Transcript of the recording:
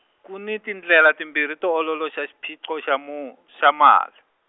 ku ni tindlela timbirhi to ololoxa xiphiqo xa mu- xa mali.